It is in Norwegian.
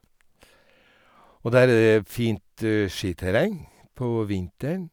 Og der er det fint skiterreng på vinteren.